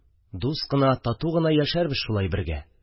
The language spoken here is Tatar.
Дус кына, тату гына яшәрбез шулай бергә...